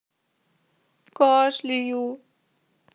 кашляю